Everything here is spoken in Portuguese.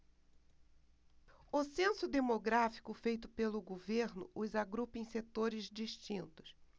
o censo demográfico feito pelo governo os agrupa em setores distintos